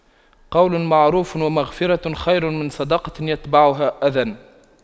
قَولٌ مَّعرُوفٌ وَمَغفِرَةُ خَيرٌ مِّن صَدَقَةٍ يَتبَعُهَا أَذًى